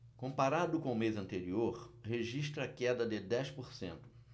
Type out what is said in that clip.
comparado com o mês anterior registra queda de dez por cento